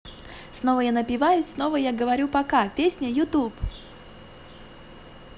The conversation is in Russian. снова я напиваюсь снова я говорю пока песня youtube